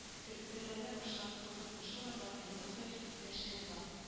Бөтер бөрләнә башлаган кызның күрше урамдагы ертык закир турында ишеткәне бар